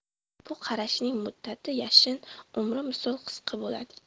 bu qarashning muddati yashin umri misol qisqa bo'ladi